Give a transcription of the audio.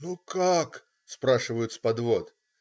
"Ну, как?!" - спрашивают с подвод.